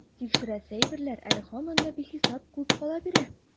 Тикшерәсе әйберләр әле һаман да бихисап күп кала бирә.